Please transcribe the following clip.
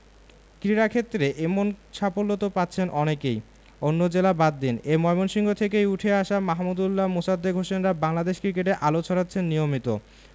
ক্রীড়াক্ষেত্রে এমন সাফল্য তো পাচ্ছেন অনেকেই অন্য জেলা বাদ দিন এ ময়মনসিংহ থেকেই উঠে আসা মাহমুদউল্লাহ মোসাদ্দেক হোসেনরা বাংলাদেশ ক্রিকেটে আলো ছড়াচ্ছেন নিয়মিত